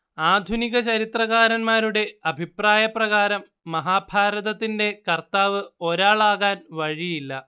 ആധുനിക ചരിത്രകാരന്മാരുടെ അഭിപ്രായപ്രകാരം മഹാഭാരതത്തിന്റെ കർത്താവ് ഒരാളാകാൻ വഴിയില്ല